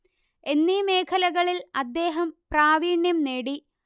എന്നീ മേഖലകളിൽ അദ്ദേഹം പ്രാവീണ്യം നേടി